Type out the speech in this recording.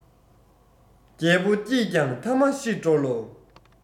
རྒྱལ པོ སྐྱིད ཀྱང ཐ མ ཤི འགྲོ ལོ